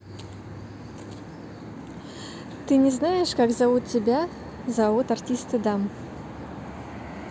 ты не знаешь как зовут тебя зовут артисты дам